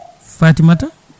Fatimata